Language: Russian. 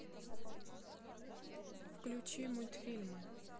включи мультфильмы